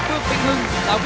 hồng